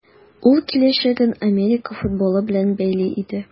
Ул киләчәген Америка футболы белән бәйли иде.